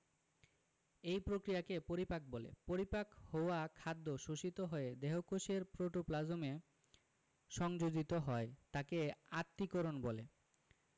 এই প্রক্রিয়াকে পরিপাক বলে পরিপাক হওয়া খাদ্য শোষিত হয়ে দেহকোষের প্রোটোপ্লাজমে সংযোজিত হয় থাকে আত্তীকরণ বলে